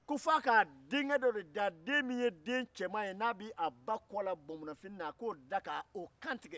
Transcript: ko fa k'a den cɛman min bɛ ba kɔ la bamunanfini na kantigɛ